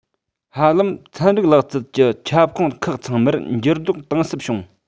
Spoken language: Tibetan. ཧ ལམ ཚན རིག ལག རྩལ གྱི ཁྱབ ཁོངས ཁག ཚང མར འགྱུར ལྡོག གཏིང ཟབ བྱུང